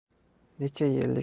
necha yillik hayotimni